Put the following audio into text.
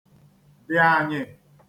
dị̀ ànyị̀